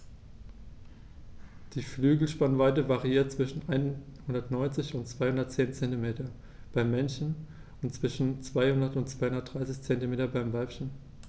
Die Flügelspannweite variiert zwischen 190 und 210 cm beim Männchen und zwischen 200 und 230 cm beim Weibchen.